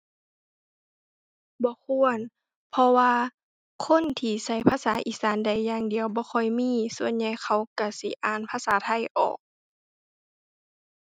บ่ควร เพราะว่าคนที่ใช้ภาษาอีสานได้อย่างเดียวบ่ค่อยมี ส่วนใหญ่เขาใช้สิอ่านภาษาไทยออก